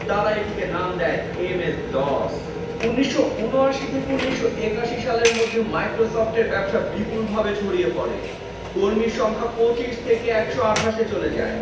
তারা এটিকে নাম দেয় এম এস ডস ১৯৭৯ থেকে ১৯৮১ সালের মধ্যে মাইক্রোসফট-এর ব্যবসা বিপুলভাবে ছড়িয়ে পড়ে কর্মীর সংখ্যা ২৫ থেকে ১২৮ এ চলে যায়